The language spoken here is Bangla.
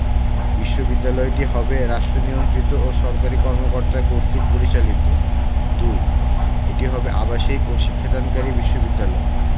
বিশ্ববিদ্যালয়টি হবে রাষ্ট্রনিয়ন্ত্রিত ও সরকারি কর্মকর্তা কর্তৃক পরিচালিত ২ এটি হবে আবাসিক ও শিক্ষাদানকারী বিশ্ববিদ্যালয়